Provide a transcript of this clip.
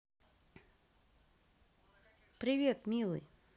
привет милый